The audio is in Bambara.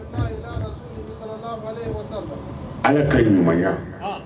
Ala ka ɲumanya ɔh